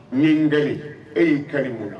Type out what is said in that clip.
Ni n bɛɛ ye e y'i kari bɔ